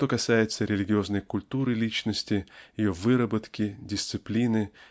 что касается религиозной культуры личности ее выработки дисциплины